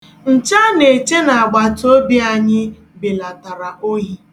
Nche a na-eche n'agbatoobi anyị belatara ohi.